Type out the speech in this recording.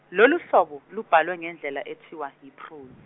lolu hlobo, lubhalwe ngendlela ethiwa, yiphrosi.